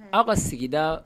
Aw ka sigida